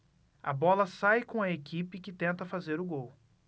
a bola sai com a equipe que tenta fazer o gol